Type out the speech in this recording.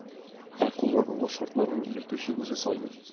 Ә кулланылу шартларын йөртүче үзе сайлый.